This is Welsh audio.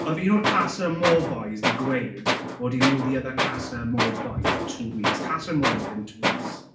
Oedd un o'r Casa Amor bois 'di gweud bod he knew the other Casa Amor boy for two weeks. Casa Amor has been two weeks.